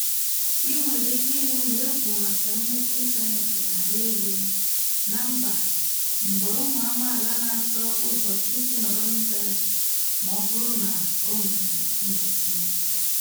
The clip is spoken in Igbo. I nwere ike ịhụ na égwù maka mmechi ịntaneetị na-arị elu na mba mgbe ụmụ amaala na-achọ ụzọ isi nọrọ n'ịntaneetị ma ọ bụrụ na e nwere mgbochi.